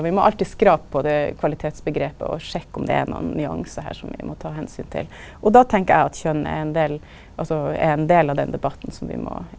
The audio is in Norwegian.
vi må alltid skrapa på det kvalitetsomgrepet og sjekka om det er nokon nyansar her som vi må ta omsyn til, og då tenker eg at kjønn er ein del altså er ein del av den debatten som vi må.